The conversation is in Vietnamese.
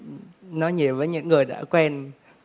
nói nhiều với những người đã quen